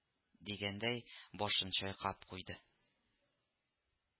— дигәндәй башын чайкап куйды